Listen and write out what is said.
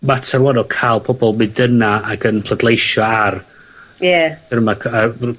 mater rŵan o ca'l pobol mynd yna ac yn pleidleisio ar... Ie. ...'dyn nw'n marcio